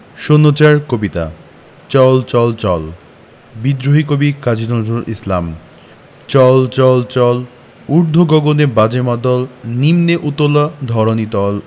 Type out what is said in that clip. ০৪ কবিতা চল চল চল বিদ্রোহী কবি কাজী নজরুল ইসলাম চল চল চল ঊর্ধ্ব গগনে বাজে মাদল নিম্নে উতলা ধরণি তল